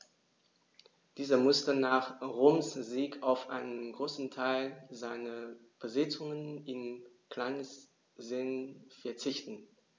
Dieser musste nach Roms Sieg auf einen Großteil seiner Besitzungen in Kleinasien verzichten.